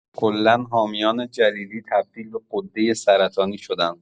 کلا حامیان جلیلی تبدیل به غده سرطانی شدن